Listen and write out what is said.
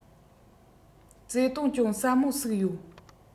བརྩེ དུང གཅུང ཟབ མོ ཟུག ཡོད